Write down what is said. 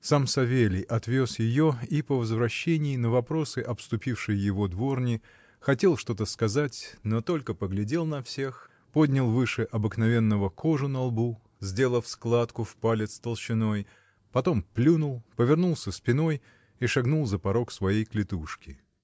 Сам Савелий отвез ее и по возвращении, на вопросы обступившей его дворни, хотел что-то сказать, но только поглядел на всех, поднял выше обыкновенного кожу на лбу, сделав складку в палец толщиной, потом плюнул, повернулся спиной и шагнул за порог своей клетушки.